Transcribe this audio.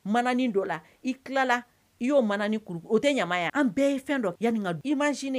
Ma dɔ la i tilala i y'o man ni o tɛ ɲamaya an bɛɛ ye fɛn dɔ yanani i mansininin